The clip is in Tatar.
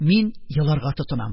Мин еларга тотынам.